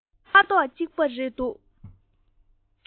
ཁ དོག གཅིག པ རེད འདུག